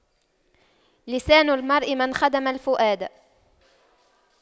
لسان المرء من خدم الفؤاد